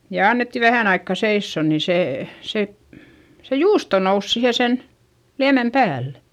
ja annettiin vähään aikaa seisoa niin se se se juusto nousi siihen sen liemen päälle